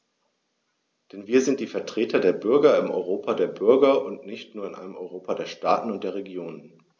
Denn wir sind die Vertreter der Bürger im Europa der Bürger und nicht nur in einem Europa der Staaten und der Regionen.